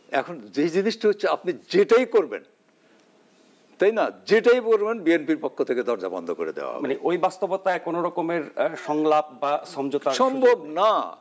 এখন যে জিনিসটা হচ্ছে আপনি যেটাই করবেন তাইনা যেটাই বলবেন বিএনপির পক্ষ থেকে দরজা বন্ধ করে দেয়া হবে ওই বাস্তবতা কোন রকমের সংলাপ বা সমঝোতা সম্ভব না